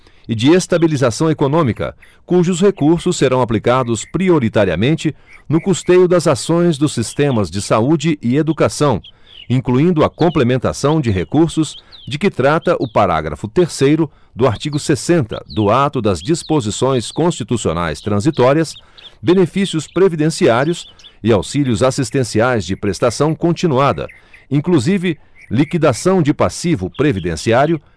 e de estabilização econômica cujos recursos serão aplicados prioritariamente no custeio das ações dos sistemas de saúde e educação incluindo a complementação de recursos de que trata o parágrafo terceiro do artigo sessenta do ato das disposições constitucionais transitórias benefícios previdenciários e auxílios assistenciais de prestação continuada inclusive liquidação de passivo previdenciário